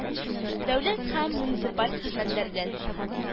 Дәүләт һәм муниципаль хезмәтләрдән